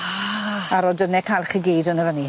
Ah! A rodynne calch i gyd yn y fyn 'ny.